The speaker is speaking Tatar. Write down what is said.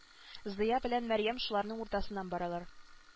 Зыя белән мәрьям шуларның уртасыннан баралар